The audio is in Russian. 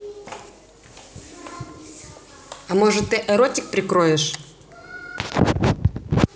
а может ты эротик прикроешь